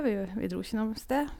viv Vi dro ikke noe sted.